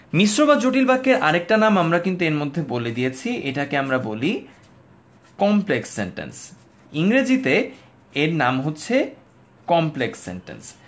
মিশ্র বা জটিল বাক্যের আরেকটা নাম আমরা এর মাঝে বলে দিয়েছি এটা কি আমরা বলি কমপ্লেক্স সেন্টেন্স ইংরেজিতে এর নাম হচ্ছে কমপ্লেক্স সেন্টেন্স